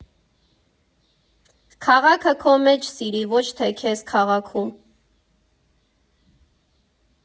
Քաղաքը քո մեջ սիրի, ոչ թե քեզ քաղաքում։